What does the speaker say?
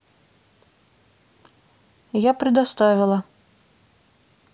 я предоставила